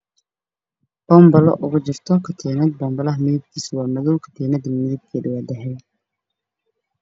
Waa boonbalo midabkiisu uu yahay Madow waxaa kujirto katiinad kalarkeedu uu yahay dahabi.